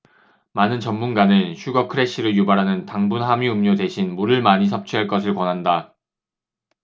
많은 전문가는 슈거 크래시를 유발하는 당분 함유 음료 대신 물을 많이 섭취할 것을 권한다